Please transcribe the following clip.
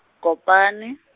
Kopane .